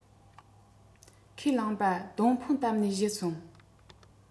ཁས བླངས པ སྡོང ཕུང བཏབས ནས བཞད སོང